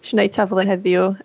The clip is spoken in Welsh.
wnes i wneud taflen heddiw.